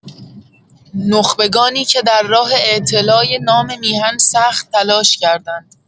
نخبگانی که در راه اعتلای نام میهن سخت تلاش کردند.